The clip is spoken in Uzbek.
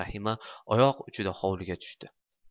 rahima oyoq uchida hovliga tushdi